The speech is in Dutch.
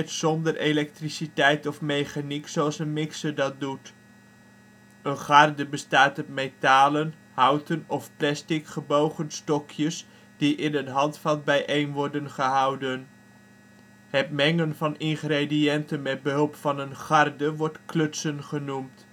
zonder elektriciteit of mechaniek zoals een mixer dat doet. Een garde bestaat uit metalen, houten of plastic gebogen stokjes die in een handvat bijeen worden gehouden. Het mengen van ingrediënten met behulp van een garde wordt klutsen genoemd